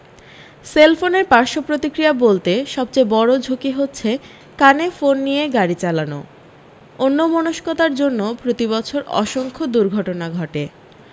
সেলফোনের পার্শ্ব প্রতিক্রিয়া বলতে সবচেয়ে বড় ঝুঁকি হচ্ছে কানে ফোন নিয়ে গাড়ী চালানো অন্যমন্সকতার জন্যে প্রতিবছর অসংখ্য দুর্ঘটনা ঘটে